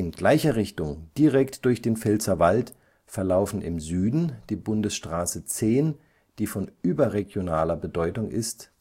gleicher Richtung direkt durch den Pfälzerwald verlaufen im Süden die Bundesstraße 10 (Pirmasens – Landau), die von überregionaler Bedeutung ist